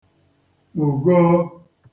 kpụ̀go